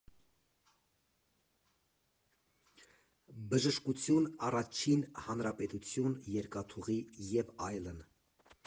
Բժշկություն, Առաջին հանրապետություն, երկաթուղի և այլն.